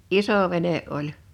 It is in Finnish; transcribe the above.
iso vene oli